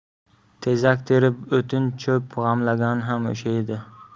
tezak terib o'tin cho'p g'amlagan ham o'sha edi